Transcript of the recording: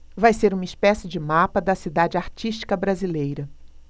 vai ser uma espécie de mapa da cidade artística brasileira